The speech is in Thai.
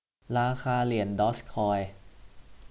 ราคาเหรียญดอร์จคอย